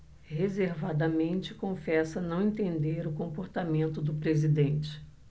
reservadamente confessa não entender o comportamento do presidente